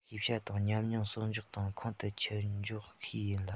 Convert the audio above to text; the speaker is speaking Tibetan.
ཤེས བྱ དང ཉམས མྱོང གསོག འཇོག དང ཁོང དུ ཆུད མགྱོགས ཤོས ཡིན ལ